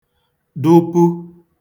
dụpu